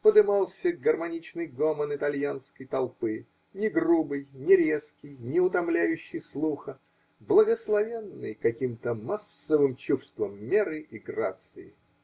Подымался гармоничный гомон итальянской толпы, не грубый, не резкий, не утомляющий слуха, благословенный каким-то массовым чувством меры и грации.